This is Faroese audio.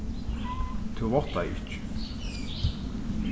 tú váttaði ikki